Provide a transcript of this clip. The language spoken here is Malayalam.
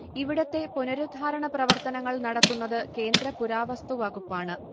ഇവിടത്തെ പുനരുദ്ധാരണ പ്രവർത്തനങ്ങൾ നടത്തുന്നത് കേന്ദ്ര പുരാവസ്തുവകുപ്പാണ്